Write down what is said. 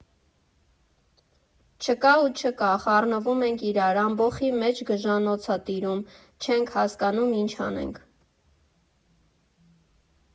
Չկա ու չկա, խառնվում ենք իրար, ամբոխի մեջ գժանոց ա տիրում, չենք հասկանում՝ ինչ անենք…